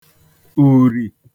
ùrì